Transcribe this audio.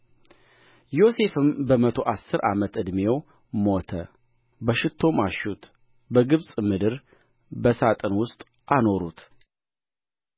ዮሴፍም በመቶ አሥር ዓመት ዕድሜው ሞተ በሽቱም አሹት በግብፅ ምድር በሣጥን ውስጥ አኖሩት